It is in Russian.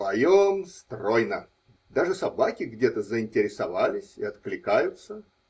Поем стройно, даже собаки где-то заинтересовались и откликаются.